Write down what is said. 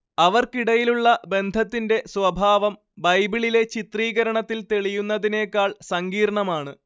അവർക്കിടയിലുള്ള ബന്ധത്തിന്റെ സ്വഭാവം ബൈബിളിലെ ചിത്രീകരണത്തിൽ തെളിയുന്നതിനേക്കാൾ സങ്കീർണ്ണമാണ്